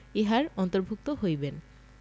ইহার অন্তর্ভুক্ত হইবেন